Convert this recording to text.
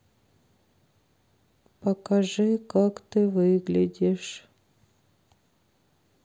покажи как ты выглядишь